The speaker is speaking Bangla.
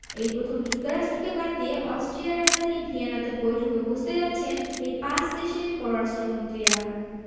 এই প্রথম যুক্তরাষ্ট্রকে বাদ দিয়ে অস্ট্রিয়ার রাজধানী ভিয়েনাতে বৈঠকে বসতে যাচ্ছেন এই পাঁচ দেশের পররাষ্ট্রমন্ত্রীরা